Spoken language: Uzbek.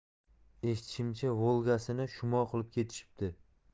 eshitishimcha volga sini shumo qilib ketishibdi